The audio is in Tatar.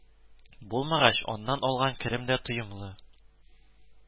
Булмагач, аннан алган керем дә тоемлы